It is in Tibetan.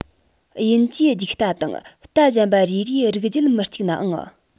དབྱིན ཇིའི རྒྱུག རྟ དང རྟ གཞན པ རེ རེའི རིགས རྒྱུད མི གཅིག ནའང